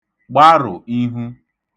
gbarụ̀ ihwu